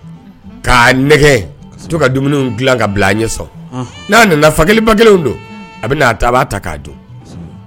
K'a nɛgɛ to ka dumuni ka bila a ɲɛ n'a nana fakelenba kelen don ta b'a ta k' don